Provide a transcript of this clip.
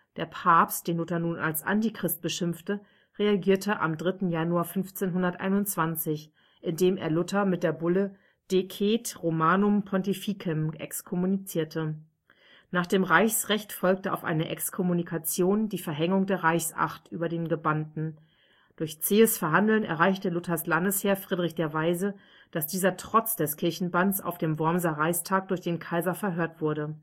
Der Papst, den Luther nun als Antichrist beschimpfte, reagierte am 3. Januar 1521, indem er Luther mit der Bulle Decet Romanum Pontificem exkommunizierte. Nach dem Reichsrecht folgte auf eine Exkommunikation die Verhängung der Reichsacht über den Gebannten. Durch zähes Verhandeln erreichte Luthers Landesherr Friedrich der Weise, dass dieser trotz des Kirchenbanns auf dem Wormser Reichstag durch den Kaiser verhört wurde